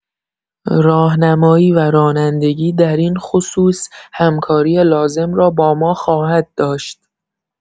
راهنمایی و رانندگی در این خصوص همکاری لازم را با ما خواهد داشت.